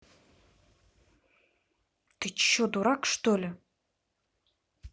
ты че дурак что ли